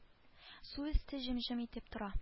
Су өсте җем-җем итеп тора